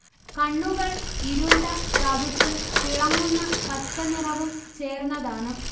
കണ്ണുകൾ ഇരുണ്ട തവിട്ടും തിളങ്ങുന്ന പച്ചനിറവും ചേർന്നതാണ്